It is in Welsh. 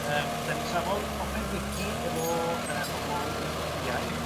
...yym lle 'dan ni'n trafod popeth wici efo yy pobol wiceaidd.